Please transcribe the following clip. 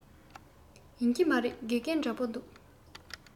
ཡིན གྱི མ རེད དགེ རྒན འདྲ པོ འདུག